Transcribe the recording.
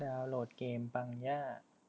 ดาวโหลดเกมปังย่า